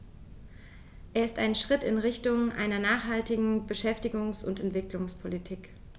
Er ist ein Schritt in Richtung einer nachhaltigen Beschäftigungs- und Entwicklungspolitik.